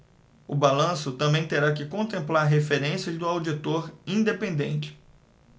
o balanço também terá que contemplar referências do auditor independente